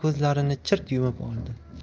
ko'zlarini chirt yumib oldi